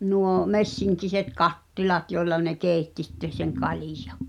nuo messinkiset kattilat joilla ne keitti sitten sen kaljan